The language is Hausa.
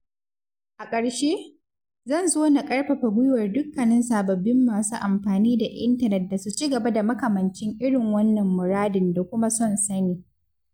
A ƙarshe, zan so na ƙarfafa gwiwar dukkanin sababbin masu amfani da intanet da su ci gaba da makamancin irin wannan muradin da kuma son sani.